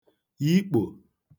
yikpò